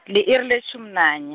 li-iri letjhumi nanye.